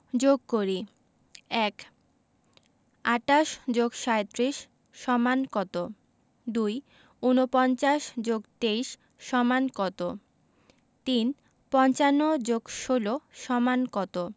যোগ করিঃ ১ ২৮ + ৩৭ = কত ২ ৪৯ + ২৩ = কত ৩ ৫৫ + ১৬ = কত